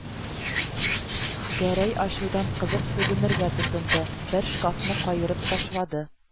Гәрәй ачудан кызып, сүгенергә тотынды, бер шкафны каерып ташлады